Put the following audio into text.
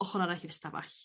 ochor arall i'r stafall.